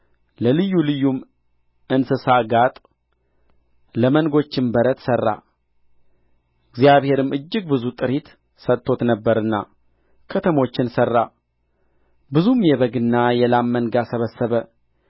ለልዩ ልዩም እንስሳ ጋጥ ለመንጎችም በረት ሠራ እግዚአብሔርም እጅግ ብዙ ጥሪት ሰጥቶት ነበርና ከተሞችን ሠራ ብዙም የበግና የላም መንጋ ሰበሰበ